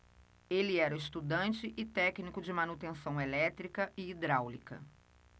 ele era estudante e técnico de manutenção elétrica e hidráulica